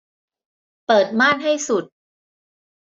เปิดม่านให้สุด